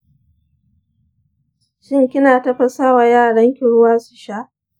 shin kina tafasawa yaran ki ruwa su sha?